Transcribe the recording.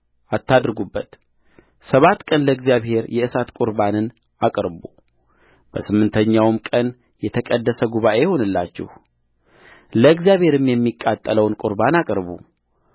አታድርጉበትሰባት ቀን ለእግዚአብሔር የእሳት ቍርባንን አቅርቡ በስምንተኛውም ቀን የተቀደሰ ጉባኤ ይሁንላችሁ ለእግዚአብሔርም የሚቃጠለውን ቍርባን አቅርቡ